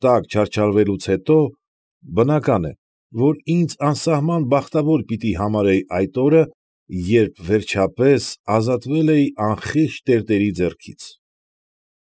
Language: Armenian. Տակ չարչարվելուց հետո, բնական է, որ ինձ անսահման բախտավոր պիտի համարեի այդ օրն, երբ, վերջապես, ազատվել էի անխիղճ տերտերի ձեռքից։